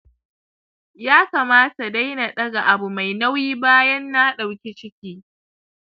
ya kamata daina daga abu mai nauyi bayan na dauki ciki